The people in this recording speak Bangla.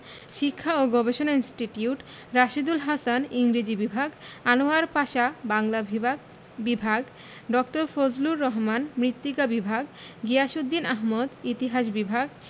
শিক্ষা ও গবেষণা ইনস্টিটিউট রাশীদুল হাসান ইংরেজি বিভাগ আনোয়ার পাশা বাংলা ভিবাগ বিভাগ ড. ফজলুর রহমান মৃত্তিকা বিভাগ গিয়াসউদ্দিন আহমদ ইতিহাস বিভাগ